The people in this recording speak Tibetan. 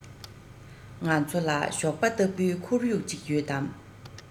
ང ཚོ ལ ཞོགས པ ལྟ བུའི ཁོར ཡུག ཅིག ཡོད དམ